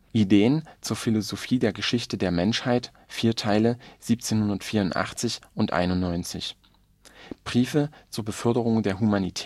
Ideen zur Philosophie der Geschichte der Menschheit (4 Teile 1784 / 91) Briefe zur Beförderung der Humanität